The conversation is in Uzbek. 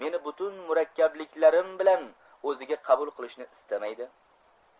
meni butun murakkabliklarim bilan o'ziga qabul qilishni istamaydi